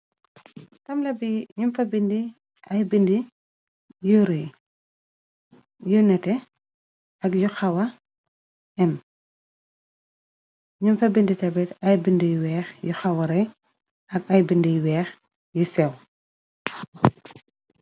Tamla bi umfa bindi aybindur yu neteakyuxawam um fa bind tabet ay bindiy weex yu xaware ak ay bindiy weex yu séw.